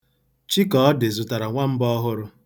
Chikọdị zụtara nwamba ọhụrụ.